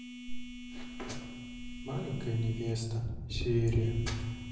маленькая невеста серия